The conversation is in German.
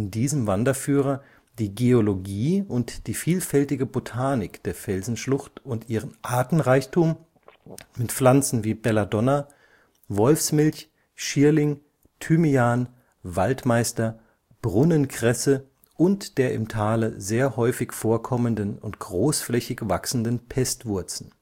diesem Wanderführer die Geologie und die vielfältige Botanik der Felsenschlucht und ihren Artenreichtum mit Pflanzen wie Belladonna, Wolfsmilch, Schierling, Thymian, Waldmeister, Brunnenkresse und der im Tale sehr häufig vorkommenden und großflächig wachsenden Pestwurzen